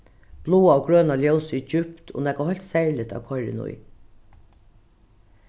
bláa og og grøna ljósið er djúpt og nakað heilt serligt at koyra inní